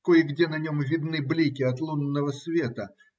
Кое-где на нем видны блики от лунного света.